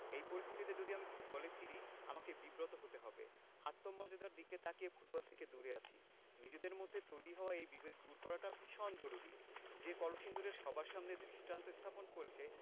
এই পরিস্থিতিতে আমি যদি ফুটবলে ফিরি আমাকে বিব্রত হতে হবে আত্মমর্যাদার দিকে তাকিয়ে ফুটবল থেকে দূরে আছি নিজেদের মধ্যে তৈরি হওয়া এই বিভেদ দূর করাটা ভীষণ জরুরি যে কলসিন্দুর সবার সামনে দৃষ্টান্ত স্থাপন করেছে